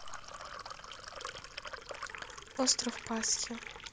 остров пасхи